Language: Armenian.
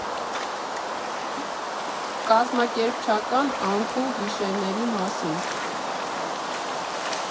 ԿԱԶՄԱԿԵՐՊՉԱԿԱՆ ԱՆՔՈՒՆ ԳԻՇԵՐՆԵՐԻ ՄԱՍԻՆ։